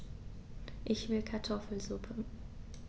Ich will Kartoffelsuppe.